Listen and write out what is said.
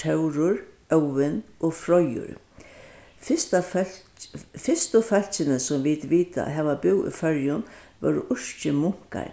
tórur óðin og froyur fyrsta fyrstu fólkini sum vit vita hava búð í føroyum vóru írskir munkar